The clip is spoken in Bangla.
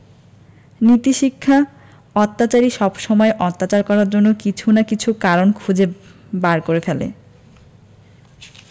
নীতিশিক্ষাঃ অত্যাচারী সবসময়ই অত্যাচার করার জন্য কিছু না কিছু কারণ খুঁজে বার করে ফেলে